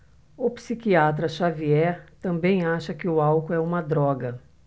o psiquiatra dartiu xavier também acha que o álcool é uma droga